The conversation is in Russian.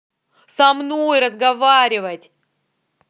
со мной разговаривать